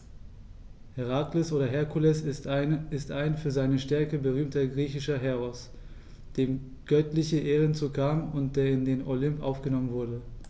Herakles oder Herkules ist ein für seine Stärke berühmter griechischer Heros, dem göttliche Ehren zukamen und der in den Olymp aufgenommen wurde.